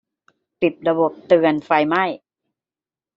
ปิดระบบเตือนไฟไหม้